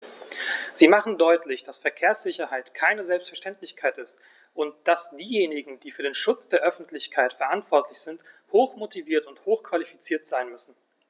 Sie machen deutlich, dass Verkehrssicherheit keine Selbstverständlichkeit ist und dass diejenigen, die für den Schutz der Öffentlichkeit verantwortlich sind, hochmotiviert und hochqualifiziert sein müssen.